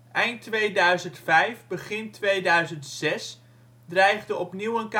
Eind 2005, begin 2006 dreigde opnieuw een kabinetscrisis